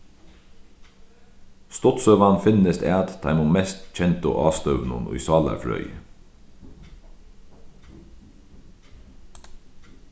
stuttsøgan finnist at teimum mest kendu ástøðunum í sálarfrøði